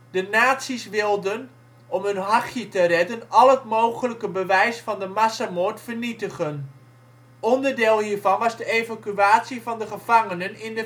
De nazi 's wilden om hun hachje te redden al het mogelijke bewijs van de massamoord vernietigen. Onderdeel hiervan was de evacuatie van de gevangenen in